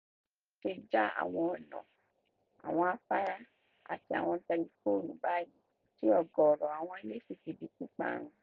Wọ́n ti já àwọn ọ̀nà, àwọn afárá àti àwọn tẹlifóònù báyìí tí ọ̀gọ̀ọ̀rọ̀ àwọn ilé sì ti di píparun.